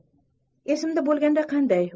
esimda bo'lganda qanday